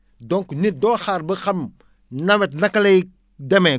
donc nit doo xaar ba xam nawet naka lay demee